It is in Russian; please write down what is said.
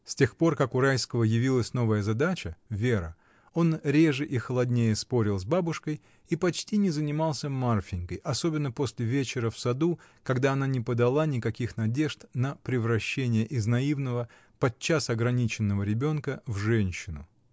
С тех пор как у Райского явилась новая задача — Вера, он реже и холоднее спорил с бабушкой и почти не занимался Марфинькой, особенно после вечера в саду, когда она не подала никаких надежд на превращение из наивного, подчас ограниченного, ребенка в женщину.